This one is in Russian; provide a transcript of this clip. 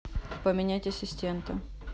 поменять ассистента